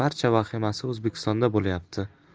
barcha vahimasi o'zbekistonda bo'lyapti